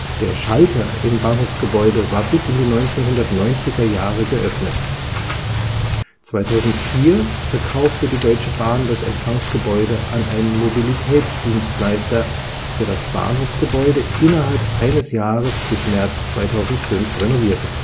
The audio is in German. Der Schalter im Bahnhofsgebäude war bis in die 1990er Jahre geöffnet. 2004 verkaufte die Deutsche Bahn das Empfangsgebäude an einen Mobilitätsdienstleister, der das Bahnhofsgebäude innerhalb eines Jahres bis März 2005 renovierte